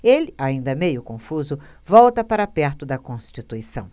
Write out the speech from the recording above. ele ainda meio confuso volta para perto de constituição